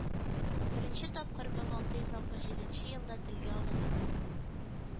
Беренче тапкыр мең алты йөз алтмыш җиденче елда телгә алына